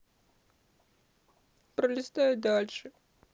пролистай дальше